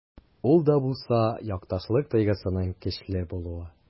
Ул да булса— якташлык тойгысының көчле булуы.